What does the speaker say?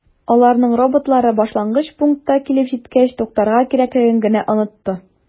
Аларның роботлары башлангыч пунктка килеп җиткәч туктарга кирәклеген генә “онытты”.